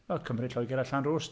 Wel Cymru Lloegr a Llanrwst.